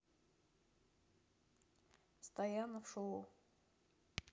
стоянов шоу